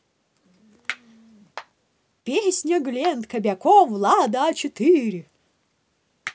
песня глент кобяков влада а четыре